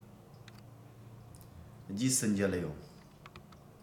རྗེས སུ མཇལ ཡོང